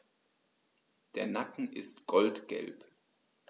Der Nacken ist goldgelb.